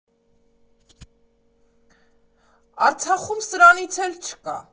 «Արցախում սրանից էլ չկա։